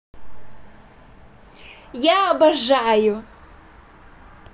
я обожаю